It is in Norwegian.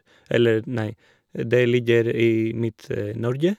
eller nei, Det ligger i Midt-Norge.